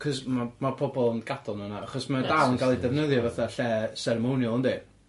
'C'os ma' ma'r pobol yn gadal nw yna achos mae o dal yn ga'l ei defnyddio fatha lle seremoniol yndi?